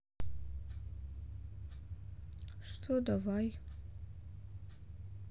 что давай